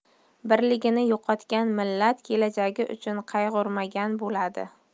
birligini yo'qotgan millat kelajagi uchun qayg'urmagan bo'ladi